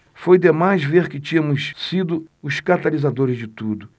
foi demais ver que tínhamos sido os catalisadores de tudo